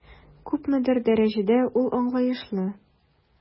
Күпмедер дәрәҗәдә ул аңлаешлы.